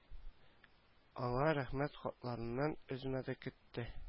Аңа рәхмәт хатларыннан өзмәде көтте